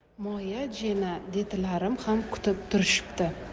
moya jena detilarim ham kutib turishibdi